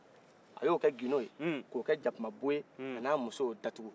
a y 'o kɛ gindon ye k'o kɛ jakuma bo ye a na muso y'o datuku